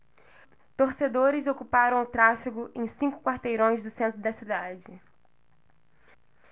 torcedores ocuparam o tráfego em cinco quarteirões do centro da cidade